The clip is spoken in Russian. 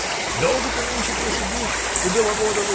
— Долго ты нынче просидишь у Беловодовой?